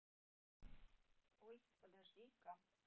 ой подожди ка